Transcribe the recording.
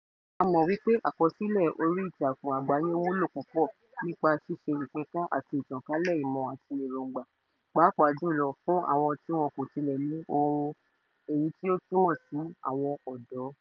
A mọ̀ pé àkọsílẹ̀ orí ìtàkùn àgbáyé wúlò púpọ̀ nípa ṣíṣe ìpínká àti ìtànkálẹ̀ ìmọ̀ àti èróńgbà, pàápàá jùlọ fún àwọn tí wọn kò tilẹ̀ ní 'ohun' - èyí tí ó túmọ̀ sí àwọn ọ̀dọ́.